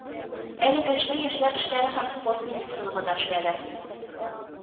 Әлеге эшне яшьләр эшләре һәм спорт министрлыгы да эшләде